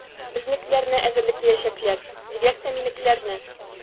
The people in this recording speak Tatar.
Безнекеләрне эзәрлекләячәкләр, бигрәк тә минекеләрне.